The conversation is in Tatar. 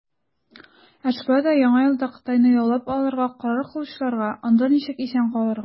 Ә шулай да Яңа елда Кытайны яулап алырга карар кылучыларга, - анда ничек исән калырга.